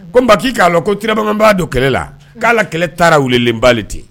Ko ba k'a la ko t bamanan b' don kɛlɛ la k'a la kɛlɛ taara welelenba ten